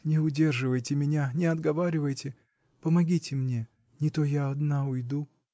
Не удерживайте меня, не отговаривайте, помогите мне, не то я одна уйду.